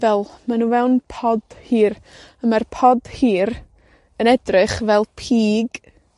fel, ma' nw fewn pod hir, a mae'r pod hir yn edrych fel pig